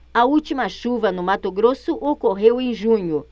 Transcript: a última chuva no mato grosso ocorreu em junho